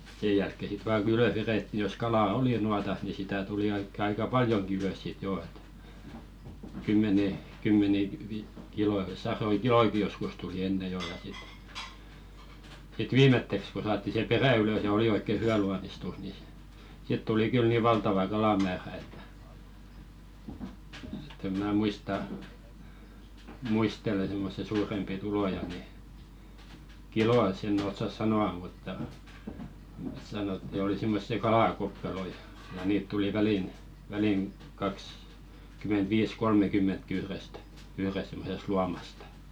sen jälkeen sitten vain kun ylös vedettiin jos kalaa oli nuotassa niin sitä tuli oikein aika paljonkin ylös sitten joo että kymmenen kymmeniä - kiloja satoja kilojakin joskus tuli ennen jo ja sitten sitten viimeiseksi kun saatiin se perä ylös ja oli oikein hyvä luonnistus niin - sitten tuli kyllä niin valtava kalamäärä että että en minä muista muistelen semmoisia suurempia tuloja niin kiloissa en osaa sanoa mutta sanottiin oli semmoisia kalakokkaroita ja niitä tuli väliin väliin - kaksikymmentäviisi kolmekymmentäkin yhdestä yhdestä semmoisesta luomasta